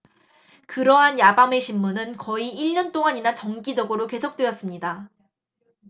그러한 야밤의 심문은 거의 일년 동안이나 정기적으로 계속되었습니다